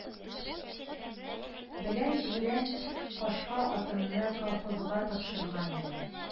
Белән җирән кашка атымны колхозга тапшырган идем